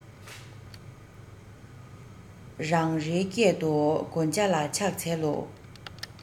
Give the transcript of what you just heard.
རང རེའི སྐད དུ གོ བརྡ ལ ཕྱག འཚལ ལོ